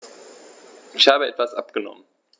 Ich habe etwas abgenommen.